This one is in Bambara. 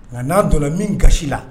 Nka n'an donna min gasi la